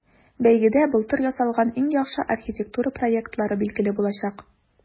Бәйгедә былтыр ясалган иң яхшы архитектура проектлары билгеле булачак.